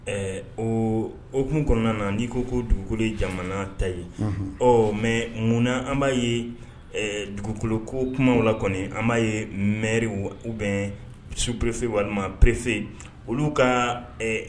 Ɛɛ o hukumu kɔnɔna na n'i ko ko dugukolo ye jamana ta ye ɔ mais munna an b'a ye dugukolo ko kumaw la kɔni an b'a ye mɛriw ou bien sous préfets walima préfets olu ka ɛ